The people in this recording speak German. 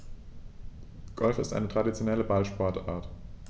Golf ist eine traditionelle Ballsportart.